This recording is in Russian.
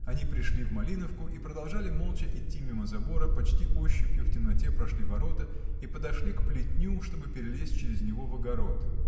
Они пришли в Малиновку и продолжали молча идти мимо забора, почти ощупью в темноте прошли ворота и подошли к плетню, чтоб перелезть через него в огород.